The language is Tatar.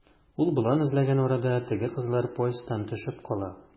Ул болан эзләгән арада, теге кызлар поезддан төшеп кала.